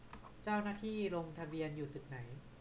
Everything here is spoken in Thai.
เจ้าหน้าที่ลงทะเบียนอยู่ตึกไหน